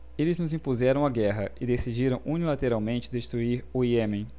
eles nos impuseram a guerra e decidiram unilateralmente destruir o iêmen